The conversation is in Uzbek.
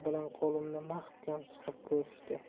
bilan qo'limni mahkam siqib ko'rishdi